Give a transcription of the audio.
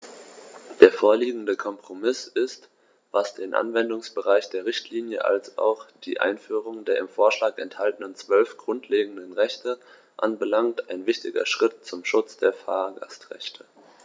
Der vorliegende Kompromiss ist, was den Anwendungsbereich der Richtlinie als auch die Einführung der im Vorschlag enthaltenen 12 grundlegenden Rechte anbelangt, ein wichtiger Schritt zum Schutz der Fahrgastrechte.